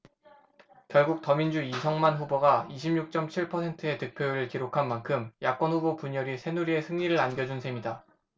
결국 더민주 이성만 후보가 이십 육 쩜 칠 퍼센트의 득표율을 기록한 만큼 야권 후보 분열이 새누리에 승리를 안겨준 셈이다